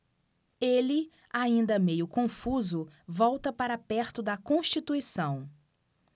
ele ainda meio confuso volta para perto de constituição